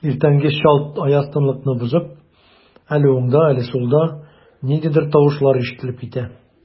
Иртәнге чалт аяз тынлыкны бозып, әле уңда, әле сулда ниндидер тавышлар ишетелеп китә.